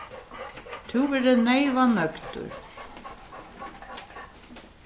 tú verður neyvan nøgdur